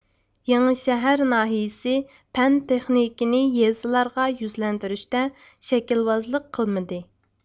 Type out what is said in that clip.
يېڭىشەھەر ناھىيىسى پەن تېخنىكىنى يېزىلارغا يۈزلەندۈرۈشتە شەكىلۋازلىق قىلمىدى